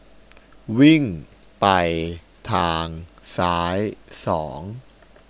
วิ่งไปทางซ้ายสอง